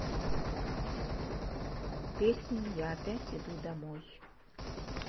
песню я опять иду домой